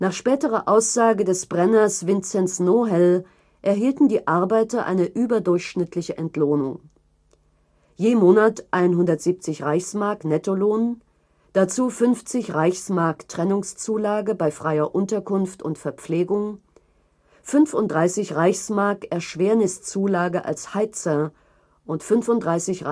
späterer Aussage des „ Brenners “Vinzenz Nohel erhielten die Arbeiter eine überdurchschnittliche Entlohnung: Je Monat 170 Reichsmark (RM) Nettolohn, dazu 50 RM Trennungszulage bei freier Unterkunft und Verpflegung, 35 RM Erschwernis-Zulage als „ Heizer “und 35